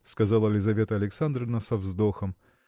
– сказала Лизавета Александровна со вздохом